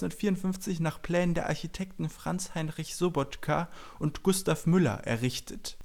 1954 nach Plänen der Architekten Franz-Heinrich Sobotka und Gustav Müller errichtet